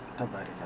tabarikalla